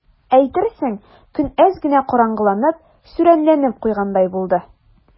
Әйтерсең, көн әз генә караңгыланып, сүрәнләнеп куйгандай булды.